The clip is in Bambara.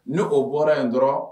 Ne o bɔra yen dɔrɔn